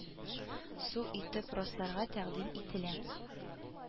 Сум итеп расларга тәкъдим ителә